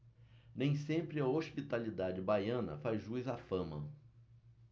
nem sempre a hospitalidade baiana faz jus à fama